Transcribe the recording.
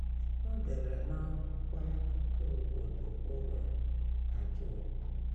O dere n'akwụkwọ akụkọ obodo Bhorer Kagoj: